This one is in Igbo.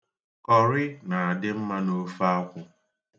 Kọrị na-adị mma n'ofe akwụ